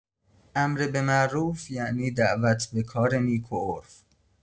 امر به معروف یعنی دعوت به کار نیک و عرف.